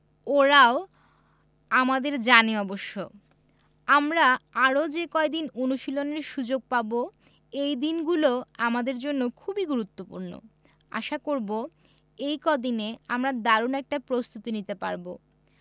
ওরাও আমাদের জানে অবশ্য আমরা আরও যে কদিন অনুশীলনের সুযোগ পাব এই দিনগুলো আমাদের জন্য খুবই গুরুত্বপূর্ণ আশা করব এই কদিনে আমরা দারুণ একটা প্রস্তুতি নিতে পারব